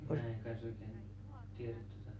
minä en kanssa oikein tiedä tuota